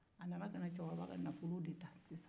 a nana ka na cɛkɔrɔba ka nafolo de ta sisan